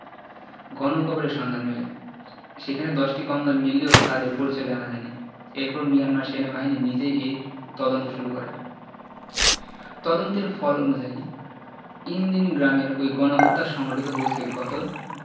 গণকবরের সন্ধান মেলে সেখানে ১০টি কঙ্কাল মিললেও তাদের পরিচয় জানা যায়নি এরপর মিয়ানমার সেনাবাহিনী নিজেই এর তদন্ত শুরু করে তদন্তের ফল অনুযায়ী ইনদিন গ্রামের ওই গণহত্যা সংঘটিত হয়েছে গত